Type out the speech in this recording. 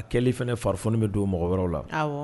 A kɛli fana farifoni bɛ don mɔgɔ wɛrɛw la